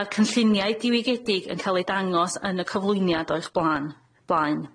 Ma'r cynlluniau diwygiedig yn ca'l eu dangos yn y cyflwyniad o eich blaen.